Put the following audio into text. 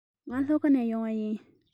ང ལྷོ ཁ ནས ཡོང པ ཡིན